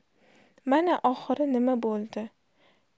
mana oxiri nima bo'ldi